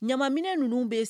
Ɲaminɛ ninnu bɛ